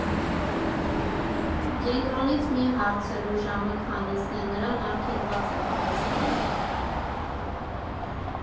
Կենտրոնից մի՛ հարցրու ժամը քանիսն է, նրան արգելված է պատասխանել։